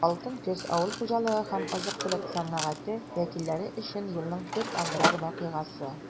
«алтын көз» - авыл хуҗалыгы һәм азык-төлек сәнәгате вәкилләре өчен елның төп аграр вакыйгасы.